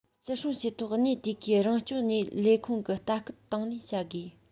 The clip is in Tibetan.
བརྩི སྲུང བྱས ཐོགས གནས དེ གའི རང སྐྱོང ལས ཁུངས ཀྱི ལྟ སྐུལ དང ལེན བྱ དགོས